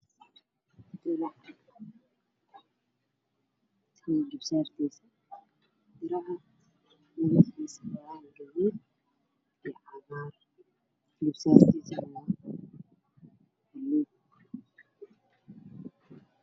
Waxaa ii muuqda guduudan dhulka ayaa waxaa ka dambeeyay flinger cadaan